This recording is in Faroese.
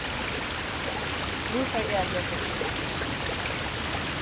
nú fari eg at lesa upp